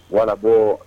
U y'a labɔ